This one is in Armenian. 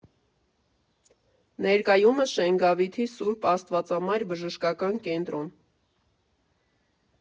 Ներկայումս Շենգավիթի Սբ. Աստվածամայր բժշկական կենտրոն։